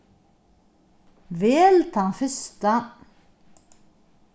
vel tann fyrsta